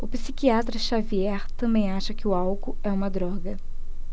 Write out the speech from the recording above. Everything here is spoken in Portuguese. o psiquiatra dartiu xavier também acha que o álcool é uma droga